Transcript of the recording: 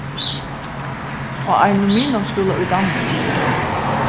á einum miðnámsskúla í danmark